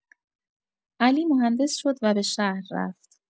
علی مهندس شد و به شهر رفت.